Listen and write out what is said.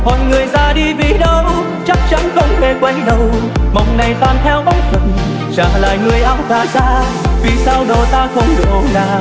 hỏi người ra đi vì đâu chắc chắn không thể quay đầu mộng này tan theo bóng phật trả lại người áo cà xa vì sao độ ta không độ nàng